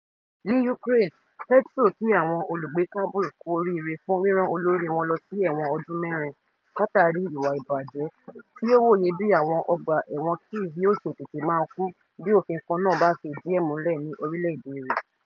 Ní Ukraine, Petro kí àwọn olùgbé Kabul kú oríire fún rírán olórí wọn lọ sí ẹ̀wọ̀n ọdún mẹ́rin látàrí ìwà ìbàjẹ́, tí ó wòye bí àwọn ọgbà ẹ̀wọ̀n Kyiv yóò ṣe tètè máa kún bí òfin kan náà bá fi ìdí múlẹ̀ ní orílẹ̀ èdè rẹ̀.